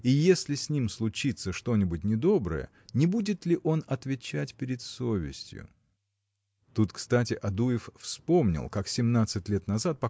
и если с ним случится что-нибудь недоброе – не будет ли он отвечать перед совестью?. Тут кстати Адуев вспомнил как семнадцать лет назад